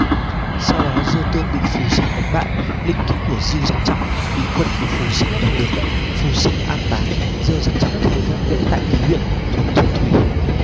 sau đó diêu tương bị phù sinh đánh bại lĩnh cữu của diêu dặc trọng bị quân của phù sinh đoạt được phù sinh án táng diêu dặc trọng theo vương lễ tại kí huyện thuộc thiên thủy